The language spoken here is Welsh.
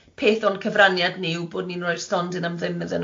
peth o'n cyfraniad ni yw bod ni'n rhoi'r stondin am ddim iddyn nhw.